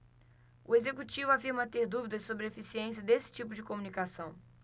o executivo afirma ter dúvidas sobre a eficiência desse tipo de comunicação